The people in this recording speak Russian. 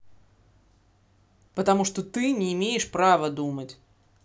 потому что ты не имеешь права думать